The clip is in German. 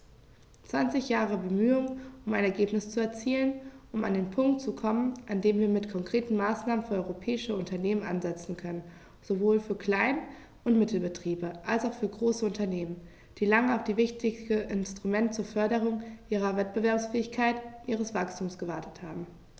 Zwanzig Jahre Bemühungen, um ein Ergebnis zu erzielen, um an den Punkt zu kommen, an dem wir mit konkreten Maßnahmen für europäische Unternehmen ansetzen können, sowohl für Klein- und Mittelbetriebe als auch für große Unternehmen, die lange auf dieses wichtige Instrument zur Förderung ihrer Wettbewerbsfähigkeit und ihres Wachstums gewartet haben.